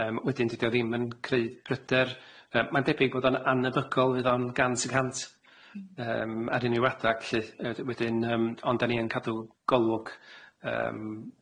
yym wedyn dydi o ddim yn creu pryder yy mae'n debyg bod o'n anebygol fydd o'n gant y cant yym ar unryw adag lly yy wedyn yym ond dan ni yn cadw golwg yym,